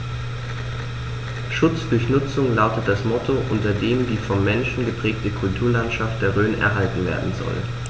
„Schutz durch Nutzung“ lautet das Motto, unter dem die vom Menschen geprägte Kulturlandschaft der Rhön erhalten werden soll.